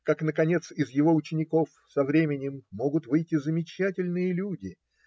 как, наконец, из его учеников со временем могут выйти замечательные люди.